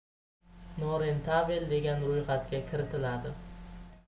norentabel degan ro'yxatga kiritiladi